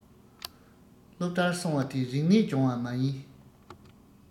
སློབ གྲྭར སོང བ དེ རིག གནས སྦྱོང བ མ ཡིན